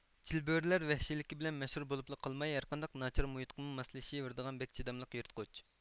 چىلبۆرىلەر ۋەھشىيلىكى بىلەن مەشھۇر بولۇپلا قالماي ھەرقانداق ناچار مۇھىتقىمۇ ماسلىشىۋېرىدىغان بەك چىداملىق يىرتقۇچ